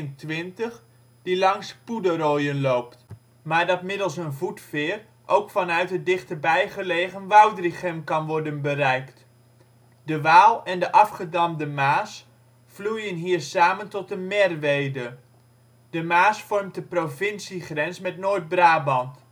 N322 die langs Poederoijen loopt, maar dat middels een voetveer ook vanuit het dichterbij gelegen Woudrichem kan worden bereikt. De Waal en de Afgedamde Maas vloeien hier samen tot de Merwede. De Maas vormt de provinciegrens met Noord-Brabant